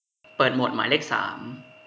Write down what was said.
เปิดโหมดหมายเลขสาม